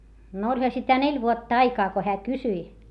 no olihan sitä neljä vuotta aikaa kun hän kysyi